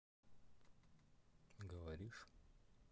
говоришь